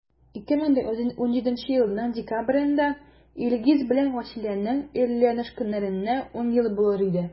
2017 елның декабрендә илгиз белән вәсиләнең өйләнешкәннәренә 10 ел булыр иде.